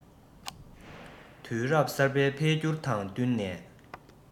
དུས རབ གསར པའི འཕེལ འགྱུར དང བསྟུན ནས